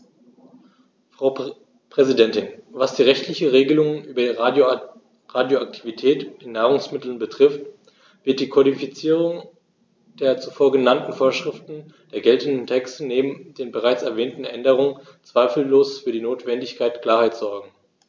Frau Präsidentin, was die rechtlichen Regelungen über Radioaktivität in Nahrungsmitteln betrifft, wird die Kodifizierung der zuvor genannten Vorschriften der geltenden Texte neben den bereits erwähnten Änderungen zweifellos für die notwendige Klarheit sorgen.